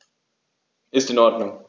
Ist in Ordnung.